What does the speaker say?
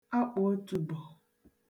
akpụ̀otùbò